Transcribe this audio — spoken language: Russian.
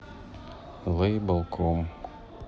лейбл ком